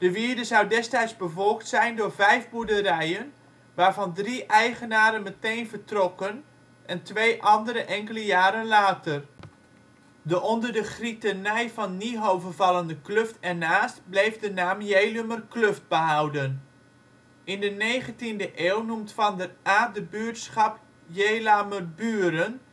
wierde zou destijds bevolkt zijn door vijf boerderijen, waarvan drie eigenaren meteen vertrokken en de twee andere enkele jaren later. De onder de grietenij van Niehove vallende kluft ernaast bleef de naam ' Jelumer cluft ' behouden. In de 19e eeuw noemt Van der Aa het buurtschap Jelamerburen